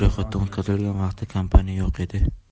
ro'yxatdan o'tkazilgan vaqtda kompaniya yo'q edi